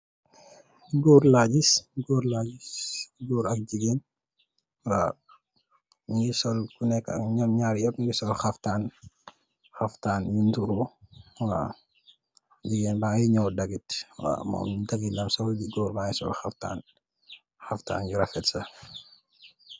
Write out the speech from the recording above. Gór la gis, gór ak gigeen ñom ñaar ñap ñi ngi sol xaptan yu niro, gigeen ba ngi ñaw dagit ,xaptan yu rafet sax.